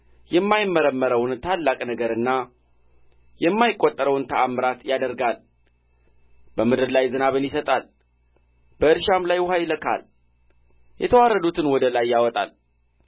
የማይመረመረውን ታላቅ ነገርና የማይቈጠረውን ተአምራት ያደርጋል በምድር ላይ ዝናብን ይሰጣል በእርሻም ላይ ውኃ ይልካል የተዋረዱትን ወደ ላይ ያወጣል